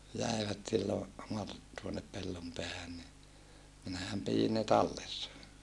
jäivät silloin - tuone Pellonpäähän niin minähän pidin ne tallessa